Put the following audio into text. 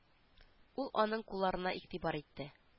Ул аның кулларына игътибар итте